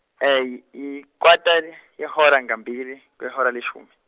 yi- yikwata, yehora ngambili, kwehora leshumi.